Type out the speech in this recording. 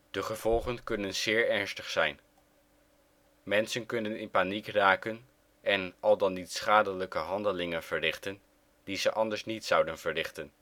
De gevolgen kunnen zeer ernstig zijn. Mensen kunnen in paniek raken, en (schadelijke) handelingen verrichten die ze anders niet zouden verrichten